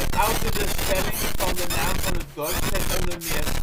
Verouderde spellingen van de naam van het dorp zijn onder meer